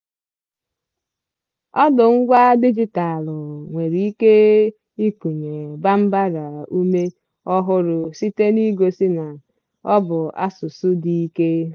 Ọdụngwa dijitalụ nwere ike ikunye Bambara ume ọhụrụ site n'igosi na ọ bụ asụsụ dị ike.